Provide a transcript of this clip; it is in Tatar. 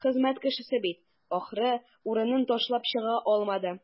Хезмәт кешесе бит, ахры, урынын ташлап чыга алмады.